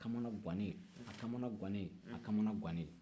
a kamana gannen a kamana gannen a kamana gannen